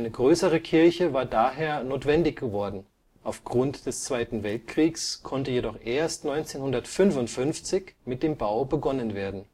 größere Kirche war daher notwendig geworden, aufgrund des Zweiten Weltkriegs konnte jedoch erst 1955 mit dem Bau begonnen werden